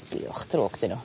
Sbïwch drwg ydyn nhw.